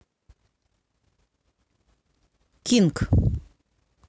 king